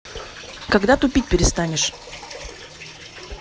когда тупить перестанешь